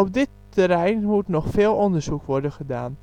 dit terrein moet nog veel onderzoek worden gedaan